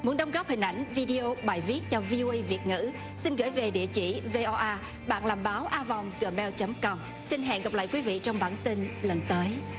muốn đóng góp hình ảnh vi đê ô bài viết cho vi ô ây việt ngữ xin gửi về địa chỉ vê ô a bạn làm báo a vòng gờ meo chấm com tin hẹn gặp lại quý vị trong bản tin lần tới